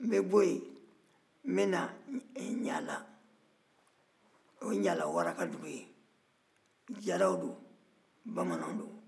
n bɛ bɔ yen n bɛ na ɲala o ye ɲala wara ka dugu ye jaraw don bamananw don